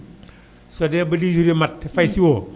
soo demee ba delai bi mot te fau si woo